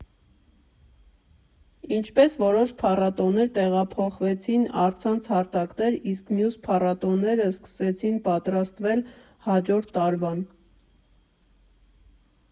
Ինչպե՞ս որոշ փառատոներ տեղափոխվեցին առցանց հարթակներ, իսկ մյուս փառատոները սկսեցին պատրաստվել հաջորդ տարվան։